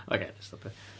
Ocê wna i stopio.